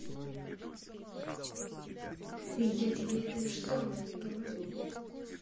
я тебе это же самое и говорю